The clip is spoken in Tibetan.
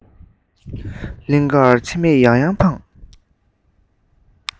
གླིང གར ཕྱིར མིག ཡང ཡང འཕངས